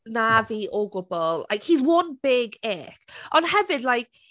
Na fi o gwbl. Like he's one big ick. Ond hefyd like...